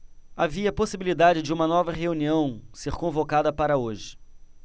havia possibilidade de uma nova reunião ser convocada para hoje